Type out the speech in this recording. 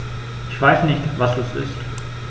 Ich weiß nicht, was das ist.